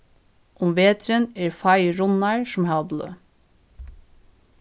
um veturin eru fáir runnar sum hava bløð